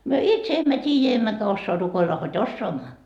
me itse emme tiedä emmekä osaa rukoilla hod osaamme